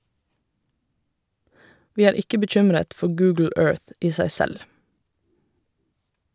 - Vi er ikke bekymret for Google Earth i seg selv.